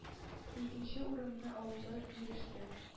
Икенче урынны алуга иреште.